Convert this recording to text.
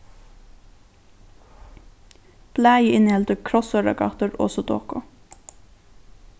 blaðið inniheldur krossorðagátur og sudoku